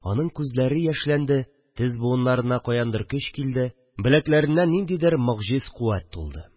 Аның күзләре яшьләнде, тез буыннарына каяндыр көч килде, беләкләренә ниндидер могҗиз куәт тулды